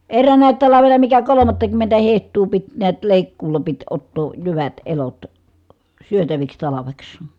eräänäkin talvena mikä kolmattakymmentä hehtoa piti näet leikkuulla piti ottaa jyvät elot syötäviksi talveksi